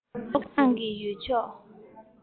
མཐོ སྒང གི ཡུལ མཆོག